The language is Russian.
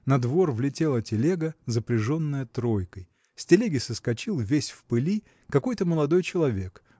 на двор влетела телега, запряженная тройкой. С телеги соскочил весь в пыли какой-то молодой человек